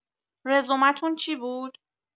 رزومتون چی بود؟